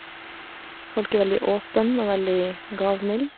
Folk er veldig åpen og veldig gavmild.